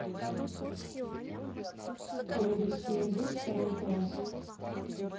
английский язык второй класс